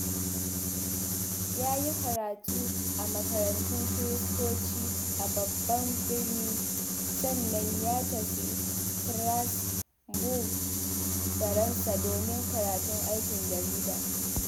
Ya yi karatu a makarantun Kiristoci a babban birnin, sannan ya tafi Strasbourg, Faransa domin karatun aikin jarida.